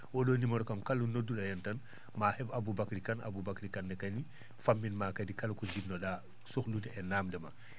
o?o numéro kam kala noddu?o heen tan ma heɓ Aboubacry Kane Aboubacry Kane ne kani fammin ma kadi kala ko njiɗno?a sohlude e naamnde ma